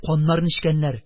Каннарын эчкәннәр,